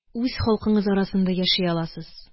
Үз халкыңыз арасында яши аласыз